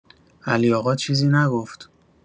علی‌آقا چیزی نگفت.